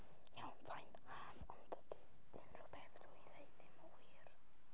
Iawn fine a, ond dydy unrhyw beth dwi'n ddeud ddim yn wir.